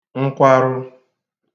nkwarụ